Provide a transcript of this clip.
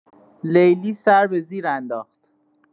لیلی سر به زیر انداخت.